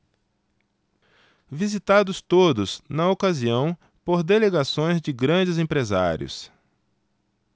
visitados todos na ocasião por delegações de grandes empresários